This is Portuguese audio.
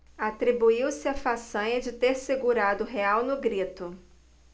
atribuiu-se a façanha de ter segurado o real no grito